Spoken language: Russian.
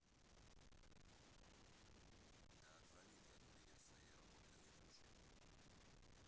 да отвали ты от меня своей работы выключи